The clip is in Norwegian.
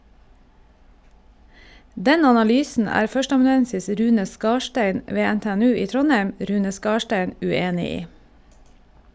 Den analysen er førsteamanuensis Rune Skarstein ved NTNU i Trondheim, Rune Skarstein, uenig i.